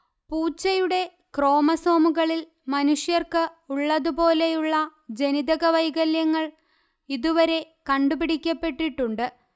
പൂച്ചയുടെ ക്രോമസോമുകളിൽ മനുഷ്യർക്ക് ഉള്ളതുപോലെയുള്ള ജനിതകവൈകല്യങ്ങൾ ഇതുവരെ കണ്ടുപിടിക്കപ്പെട്ടിട്ടുണ്ട്